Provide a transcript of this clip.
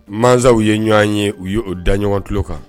Mankan u ye ɲɔgɔn ye u ye'o da ɲɔgɔn tulo kan